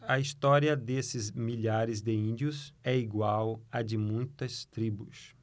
a história desses milhares de índios é igual à de muitas tribos